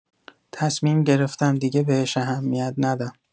تصمیم گرفتم دیگه بهش اهمیت ندم.